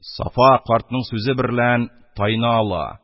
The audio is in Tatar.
Сафа, картның сүзе берлән, тайны ала.